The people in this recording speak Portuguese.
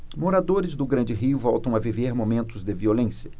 moradores do grande rio voltam a viver momentos de violência